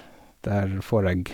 Der får jeg...